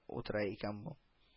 Утыра икән бу